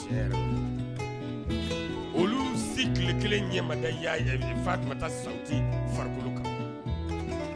Olu si tile kelen ɲɛ y'a ye tun taa sati farikolokolo kan